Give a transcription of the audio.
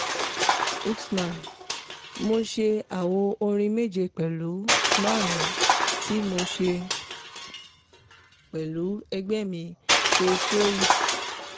Xuman mo ṣe àwo orin 7, pẹ̀lú 5 tí mo ṣe pẹ̀lú ẹgbẹ́ mi Pee Froiss.